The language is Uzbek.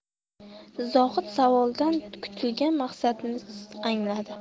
zohid savoldan kutilgan maqsadni angladi